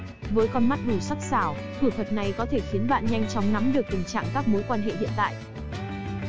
với con mắt đủ sắc sảo thủ thuật này có thể khiến bạn nhanh chóng nắm được tình trạng các mối quan hệ hiện tại